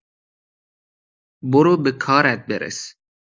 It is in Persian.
برو به کارت برس.